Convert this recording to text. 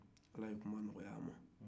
ala ye kuma nɔgɔya an ma